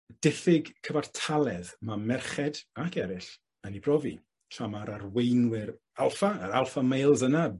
Diffyg cyfartaledd ma' merched ac eryll yn 'i brofi. Tra ma'r arweinwyr alffa yr alpha males yna